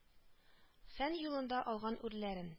Фән юлында алган үрләрен